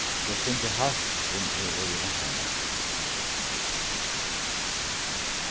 eg syngi hart um eg eri einsamøll